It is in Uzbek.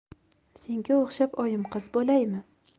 senga o'xshab oyimqiz bo'laymi